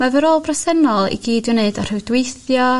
Mae fy rôl presennol i gyd i neud a rhoidweithio